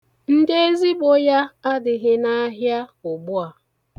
Ndị ezigbo ya adịghị n'ahịa ugbu a